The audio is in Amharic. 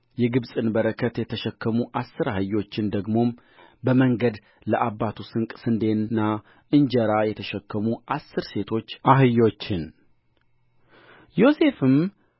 የግብፅን በረከት የተሸከሙ አሥር አህዮችን ደግሞም በመንገድ ለአባቱ ስንቅ ስንዴና እንጀራ የተሸከሙ አሥር ሴቶች አህዮችን ዮሴፍም